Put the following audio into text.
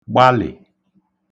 gbalị̀